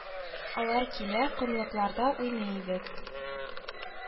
Алар килә, комлыкларда уйный идек